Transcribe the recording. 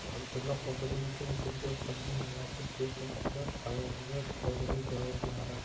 abdulla qodiriyni kim tergov qilgan yoxud tergovchilar savoliga qodiriy javoblari